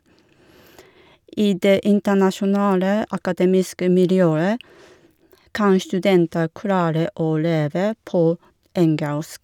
I det internasjonale akademiske miljøet kan studenter klare å leve på engelsk.